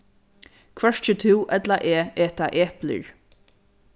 hvørki tú ella eg eta eplir